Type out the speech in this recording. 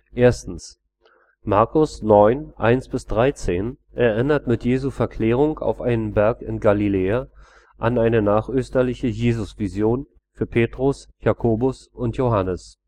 Mk 9,1 – 13 erinnert mit Jesu „ Verklärung “auf einem Berg in Galiläa an eine nachösterliche Jesusvision (v. 9) für Petrus, Jakobus und Johannes